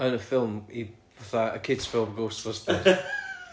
yn y ffilm i... fatha y kids film Ghostbusters